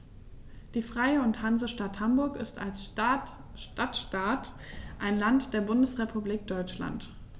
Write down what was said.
Die Freie und Hansestadt Hamburg ist als Stadtstaat ein Land der Bundesrepublik Deutschland.